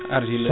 argileux